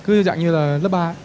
cứ dạng như là lớp ba